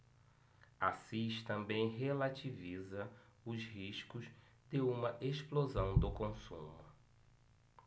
assis também relativiza os riscos de uma explosão do consumo